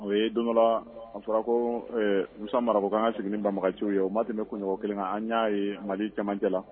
O ye don dɔ la a fɔra ko Musa Mara ko kan ka segin ni banbaganciw ye, o ma tɛmɛ kuɲɔgɔn kelen kan, an y'a ye Mali cɛmancɛ la